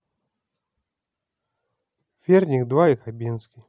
верник два и хабенский